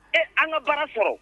E an ka baara sɔrɔ